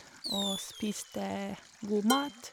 Og spiste god mat.